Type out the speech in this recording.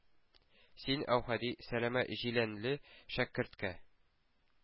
Син, Әүхәди,- сәләмә җиләнле шәкерткә